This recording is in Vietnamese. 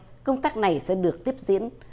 công tác này sẽ được tiếp diễn